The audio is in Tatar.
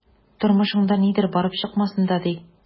Тормышында нидер барып чыкмасын да, ди...